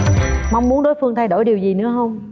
mong muốn đối phương thay đổi điều gì nữa không